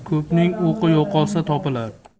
ko'pning o'qi yo'qolsa topilar